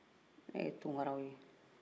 an ye tunkaraw ye